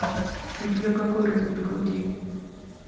у тебя какой размер груди